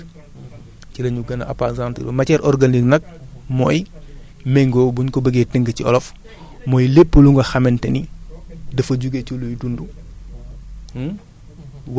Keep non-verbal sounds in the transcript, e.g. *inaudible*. utilisation matière organique *crosstalk* ci la ñu gën a apësantiiru matière organique nag mooy méngoo bu ñu ko bëggee tënk ci olof mooy lépp lu nga xamante ni *crosstalk* dafa jugee ci luy dund